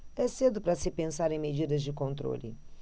é cedo para se pensar em medidas de controle